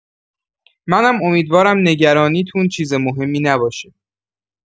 منم امیدوارم نگرانی‌تون چیز مهمی نباشه.